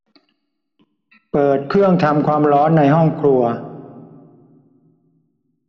เปิดเครื่องทำความร้อนในห้องครัว